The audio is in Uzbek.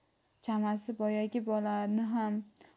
chamasi boyagi bolani ham